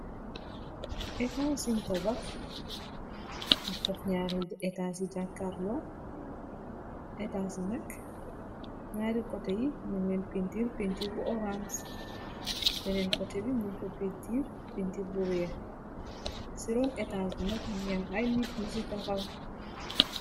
Etas yuñ tabax, ñyu def ñaari etas yi jakkarlo, étaas yi nak ñaari kote yi ñun leen pintiir, pintiir bu orange, beneen kote bi ñu ko pintiir, pintir bu wéex, si roon etas bi nak ñu nge am ay nit ñu ci taxaw.